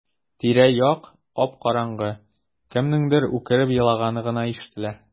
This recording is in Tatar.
Тирә-як кап-караңгы, кемнеңдер үкереп елаганы гына ишетелә.